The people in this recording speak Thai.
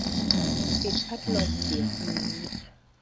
ปิดพัดลมเดี๋ยวนี้